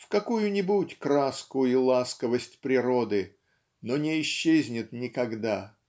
в какую-нибудь краску и ласковость природы но не исчезнет никогда.